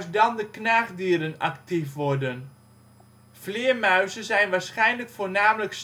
dan de knaagdieren actief worden. Vleermuizen zijn waarschijnlijk voornamelijk